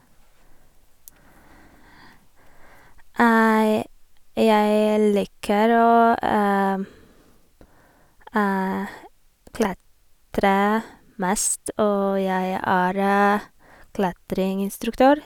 Jeg liker å klatre, mest, og jeg er klatreinstruktør.